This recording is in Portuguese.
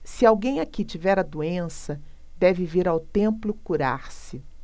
se alguém aqui tiver a doença deve vir ao templo curar-se